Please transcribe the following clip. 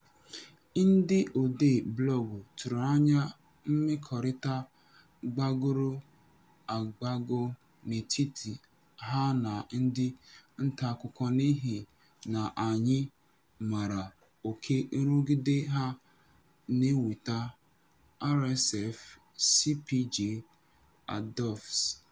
Ndị odee blọọgụ tụrụ anya mmekọrịta gbagoro agbago n'etiti ha na ndị ntaakụkọ n'ịhị na anyị maara oke nrụgide ha na-enweta (RSF, CPJ, Advox).